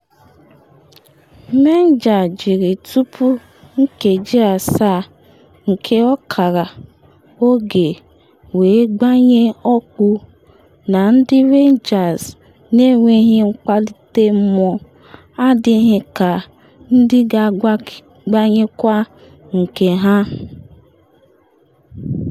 Menga jiri tupu nkeji asaa nke ọkara oge were gbanye ọkpụ, na ndị Rangers n’enweghị mkpalite mmụọ adịghị ka ndị ga-agbanyekwa nke ha.